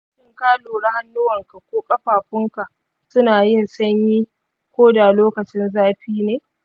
shin ka lura hannuwanka ko ƙafafunka suna yin sanyi ko da lokacin zafi ne?